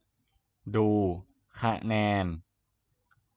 ดูคะแนน